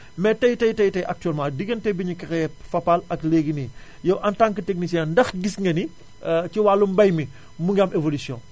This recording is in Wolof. mais tay tay tay actuellement digante bi ñu créé Fapal ak léegi nii yow en tant que tachnicien ndax gis nga ni ci wàllu mbay mi mu ngi am évolution